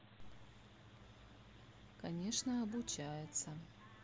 конечно обучается